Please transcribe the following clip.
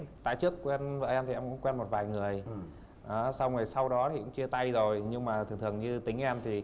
tại trước quen vợ em thì em cũng quen một vài người ớ xong rồi sau đó chia tay rồi nhưng mà thường thường như tính em thì